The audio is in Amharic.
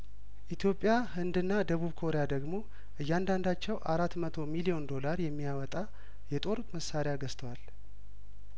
ኢትዮጵያ ህንድና ደቡብ ኮሪያ ደግሞ እያንዳንዳቸው አራት መቶ ሚሊዮን ዶላር የሚያወጣ የጦር መሳሪያ ገዝተዋል